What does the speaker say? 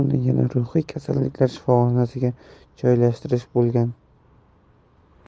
yana ruhiy kasalliklar shifoxonasiga joylashtirish bo'lgan